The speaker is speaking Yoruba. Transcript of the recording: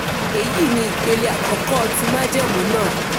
Èyí ni ìpele àkọ́kọ́ ti májẹ̀mú náà.